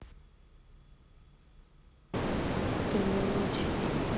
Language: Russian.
как то не очень